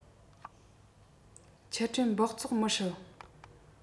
ཆུ ཕྲེན སྦགས བཙོག མི སྲིད